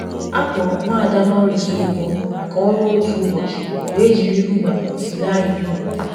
Akwụrụ Nwada Maurice ụgwọ maka ọrụ otu ụbọchị wee jiri Uber zilaa ya ụlọ.